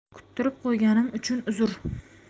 kuttirib qo'yganim uchun uzr